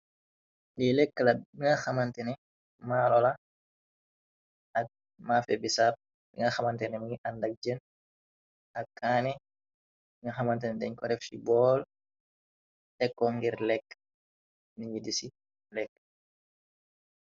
Li lekklat binga xamantene maalola ak mafe bi sap dinga xamanteni mii àndak jën ak kaane dinga xamanteni dañ ko ref chi bool tekko ngir lekk niñi di ci lekk.